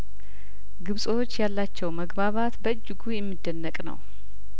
ግብጾች ያላቸው መግባባት በእጅጉ የሚደነቅ ነው